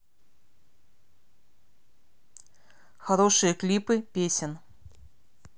хорошие клипы песен